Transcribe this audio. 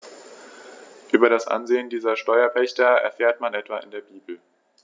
Über das Ansehen dieser Steuerpächter erfährt man etwa in der Bibel.